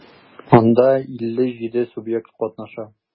Анда 57 субъект катнаша.